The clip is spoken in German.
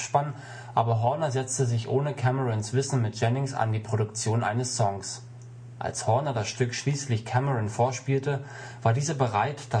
aber Horner setzte sich ohne Camerons Wissen mit Jennings an die Produktion eines Songs. Als Horner das Stück schließlich Cameron vorspielte, war dieser bereit